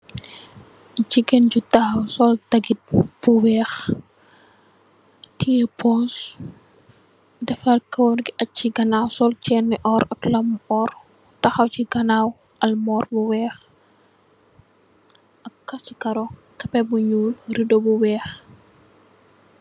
Gigain ju takhaw sol dagit bu wekh, tiyeh purse, defarr kawarr gui ahjj chi ganaw, sol chaine nii ohrre ak lammu ohrre, takhaw chi ganaw armore bu wekh, ak kaaroh, carpet bu njull ridoh bu wekh.